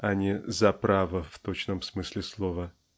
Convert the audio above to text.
а не "за право" в точном смысле слова.